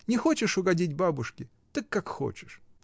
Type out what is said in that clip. Не хочешь угодить бабушке, — так как хочешь!